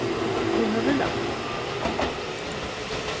tú hevur rætt